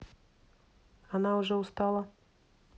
она уже устала